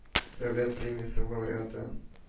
Дәүләт премиясе лауреаты